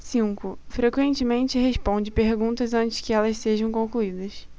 cinco frequentemente responde perguntas antes que elas sejam concluídas